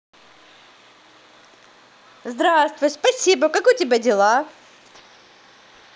здравствуй спасибо как у тебя дела